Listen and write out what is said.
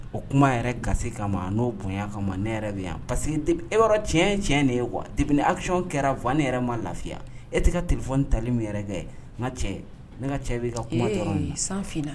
O kuma yɛrɛ gasi kama n'o bonya kama ne yɛrɛ bɛ yan parce que depuis i b'a dɔn tiyɛn ye tiyɛn yɛrɛ quoi depuis ni action kɛra wani yɛrɛ man lafiya e tɛ ka téléphone tali min yɛrɛ kɛ n ka cɛ ne ka cɛ bɛ e ka kuma dɔrɔ de la sanfin na.